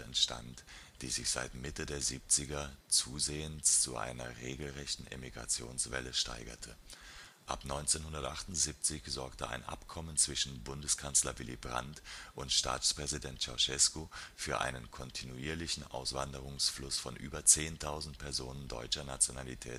entstand, die sich seit der Mitte der 70er zusehends zu einer regelrechten Emmigrationswelle steigerte. Ab 1978 sorgte ein Abkommen zwischen Bundeskanzler Willy Brandt und Staatspräsident Ceausescu für einen kontinuierlichen Auswanderungsfluss von über 10.000 Personen deutscher Nationalität